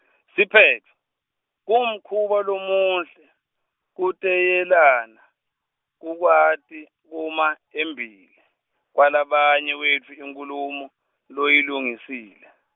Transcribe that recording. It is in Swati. Siphetfo, kungumkhuba lomuhle, kuteyelana, kukwati, kuma embili, kwalabanye wetfu, inkhulumo, loyilungisile.